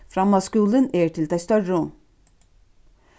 framhaldsskúlin er til tey størru